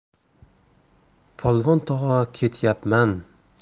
polvon tog'a ketyapman